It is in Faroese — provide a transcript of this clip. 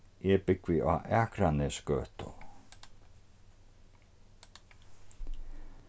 eg búgvi á akranesgøtu